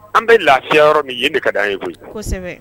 An bɛ lafiya yɔrɔ min ye de ka da an ye koyi